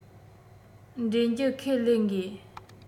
འདྲེན རྒྱུ ཁས ལེན དགོས